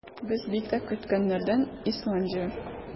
Без бик тә көткәннәрдән - Исландия.